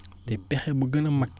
te pexe bu gën a mag